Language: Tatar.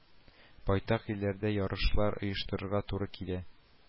Байтак илләрдә ярышлар оештырырга туры килә